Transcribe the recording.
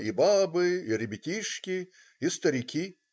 и бабы, и ребятишки, и старики.